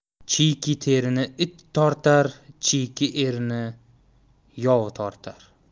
chiyki terini it tortar chiyki erni yov tortar